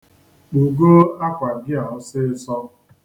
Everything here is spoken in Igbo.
Kpụgoo akwà gị a ọsọọṣo.